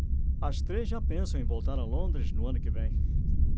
as três já pensam em voltar a londres no ano que vem